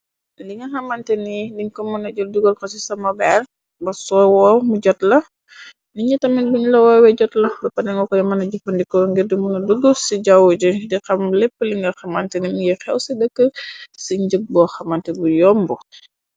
linga xamante ni liñ ko mëna jël dugal ko ci sa tetephone beer ba soowoo mu jotla niñi tamit buñu la woowe jotla ba panengu koy mëna jufandikoo ngir dimuna duguf ci jawwu ji di xam lépp linga xamante ni ngi xew ci dëkk ci njëg bo xamante bu yomb.